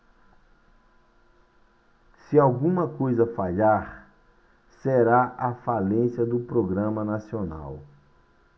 se alguma coisa falhar será a falência do programa nacional